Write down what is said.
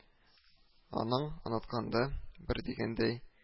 Аның онытканда бер дигәндәй